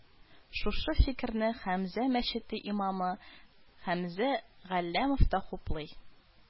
Шушы фикерне Хәмзә мәчете имамы Хәмзә Галләмов та хуплый